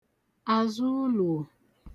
àzụuluò